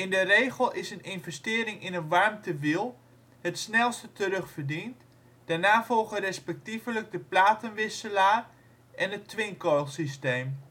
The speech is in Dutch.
de regel is een investering in een warmtewiel het snelste terugverdiend, daarna volgen respectievelijk de platenwisselaar en het twincoilsysteem